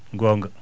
gonga